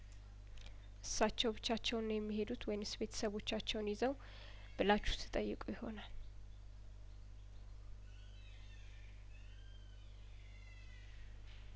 እሳቸው ብቻቸውን ነው የሚሄዱት ወይን ስቤተሰባቸውን ይዘው ብላችሁት ጠይቁ ይሆናል